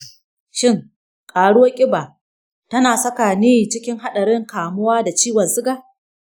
shin ƙaruwar ƙiba ta na saka ni cikin haɗarin kamuwa da ciwon suga?